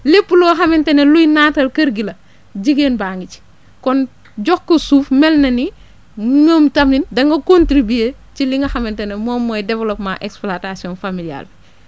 lépp loo xamante ne luy naatal kër gi la jigéen baa ngi ci kon jox ko suuf mel na ni ñoom tamit danga contribué ci li nga xamante ne moom mooy développement exploitation familiale